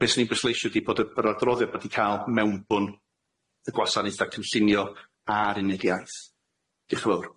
A be' swn i'n bwysleisio ydi bod y yr adroddiad wedi ca'l mewnbwn y gwasanaetha cynllunio a'r uned iaith. Dioch yn fowr.